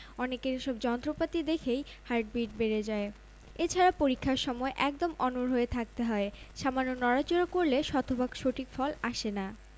কারণ এই পরীক্ষা করা ব্যয়বহুল তো বটেই একই সাথে রোগীকে পরীক্ষার সময় অনেক ধৈর্য্যের পরীক্ষা দিতে হয় আর এই পরীক্ষা করা হয়ে থাকে অনেকটা গা ছমছম করা পরিবেশে ভারী ভারী ও দামি যন্ত্রপাতির সাহায্যে